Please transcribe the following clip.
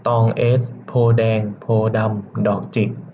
ตองเอซโพธิ์แดงโพธิ์ดำดอกจิก